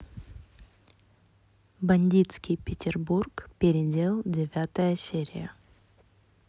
бандитский петербург передел девятая серия